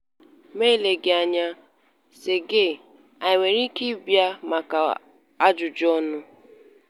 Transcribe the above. Ma eleghị anya, Sergey, ị nwere ike ị bịa maka ajụjụọnụ?